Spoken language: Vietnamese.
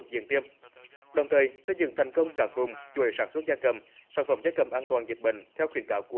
thuộc diện tiêm đồng thời xây dựng thành công các vùng chuỗi sản xuất gia cầm sản phẩm gia cầm an toàn dịch bệnh theo khuyến cáo của